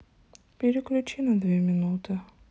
переключи на две минуты